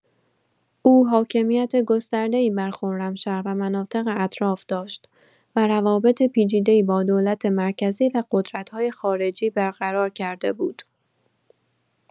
او حاکمیت گسترده‌ای بر خرمشهر و مناطق اطراف داشت و روابط پیچیده‌ای با دولت مرکزی و قدرت‌های خارجی برقرار کرده بود.